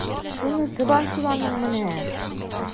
Шунысы бар шул аның менә! ..